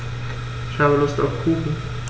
Ich habe Lust auf Kuchen.